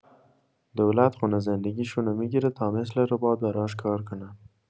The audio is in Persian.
دولت خونه زندگیشونو می‌گیره تا مثل ربات براش کار کنن